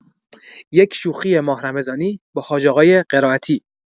یک شوخی ماه رمضانی با حاج‌آقای قرائتی!